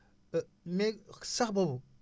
mais sax boobu